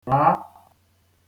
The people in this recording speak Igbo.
ràa